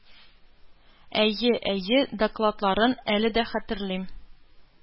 Әйе, әйе, докладларын, әле дә хәтерлим.